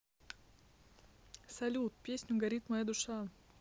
салют песню горит моя душа